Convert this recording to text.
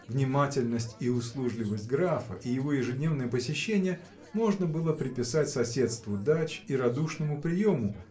Внимательность и услужливость графа и его ежедневные посещения можно было приписать соседству дач и радушному приему